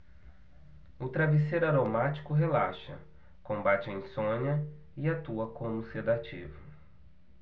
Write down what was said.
o travesseiro aromático relaxa combate a insônia e atua como sedativo